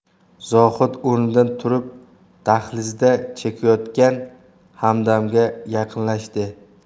zohid o'rnidan turib dahlizda chekayotgan hamdamga yaqinlashdi